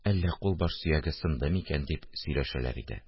Әллә кулбаш сөяге сынды микән? – дип сөйләшәләр иде